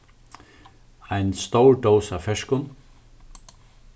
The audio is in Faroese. ein stór dós av ferskum